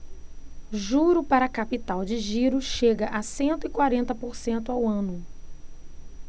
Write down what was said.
juro para capital de giro chega a cento e quarenta por cento ao ano